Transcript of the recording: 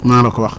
maa la ko wax